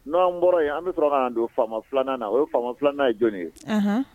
N'an bɔra yen an bɛ sɔrɔ ka'an don faama filanan o ye filanan ye jɔnni ye